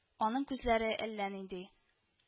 Аның күзләре әллә нинди